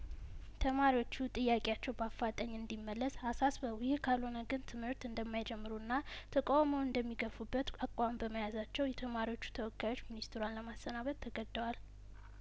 ተማሪዎቹ ጥያቄያቸው በአፋጣኝ እንዲ መለስ አሳስበው ይህ ካልሆነ ግን ትምህርት እንደማይጀምሩና ተቃውሞውን እንደሚገፉበት አቋም በመያዛቸው የተማሪዎቹ ተወካዮች ሚኒስትሯን ለማሰናበት ተገ ደዋል